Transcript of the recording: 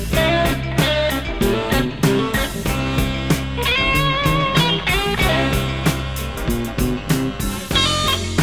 Der Bluesrocker